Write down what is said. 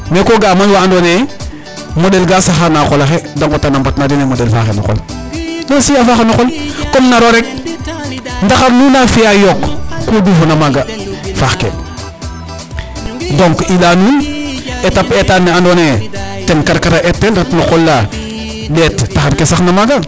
Ko ga'aa mayu wa andoona yee moɗel ga saxaa na xa qol axe da ngodaa, a mbatnaa den ee moɗel faaxee no qol to aussi a faaxa no qol comme nar o rek ndaxar nu na fi'aa yook kuu duufoona maaga faaxkee donc i laya nuun étape eetan ne andoona yee ten karkaral ee eeta ret no qol la ɗeet taxar ke saxna maaga.